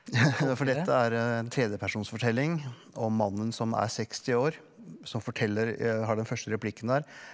for dette er en tredjepersonsfortelling om mannen som er 60 år som forteller har den første replikken der.